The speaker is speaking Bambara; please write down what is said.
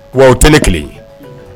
Wa o tɛ ne kelen